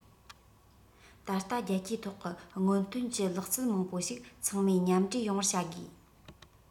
ད ལྟ རྒྱལ སྤྱིའི ཐོག གི སྔོན ཐོན གྱི ལག རྩལ མང པོ ཞིག ཚང མས མཉམ འདྲེས ཡོང བར བྱ དགོས